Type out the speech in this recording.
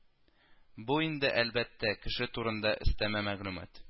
Бу инде, әлбәттә, кеше турында өстәмә мәгълүмат